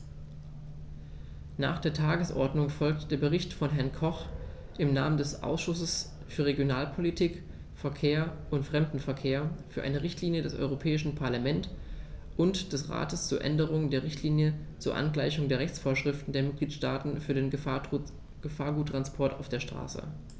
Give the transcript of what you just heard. Nach der Tagesordnung folgt der Bericht von Herrn Koch im Namen des Ausschusses für Regionalpolitik, Verkehr und Fremdenverkehr für eine Richtlinie des Europäischen Parlament und des Rates zur Änderung der Richtlinie zur Angleichung der Rechtsvorschriften der Mitgliedstaaten für den Gefahrguttransport auf der Straße.